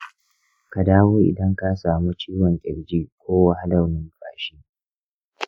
ka dawo idan ka samu ciwon ƙirji ko wahalar numfashi.